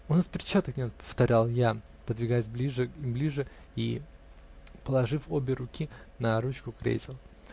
-- У нас перчаток нет, -- повторил я, подвигаясь ближе и ближе и положив обе руки на ручку кресел.